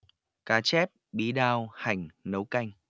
cá chép bí đao hành nấu canh